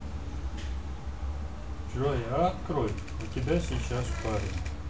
джой а открой у тебя сейчас парень